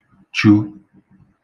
chu